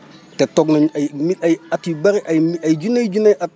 te toog nañ ay mi ay at yu bëri ay mi ay junney junney at